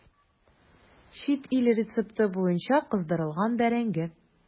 Чит ил рецепты буенча кыздырылган бәрәңге.